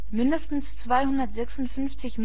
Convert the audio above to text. mindestens 256